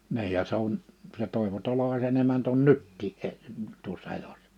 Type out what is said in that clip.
niin ja se on se Toivo Tolvasen emäntä on nytkin - tuossa elossa